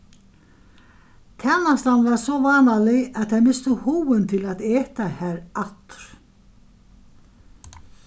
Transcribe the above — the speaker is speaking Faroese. tænastan var so vánalig at tey mistu hugin til at eta har aftur